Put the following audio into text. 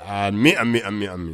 A mɛn an bɛ an bɛ anmi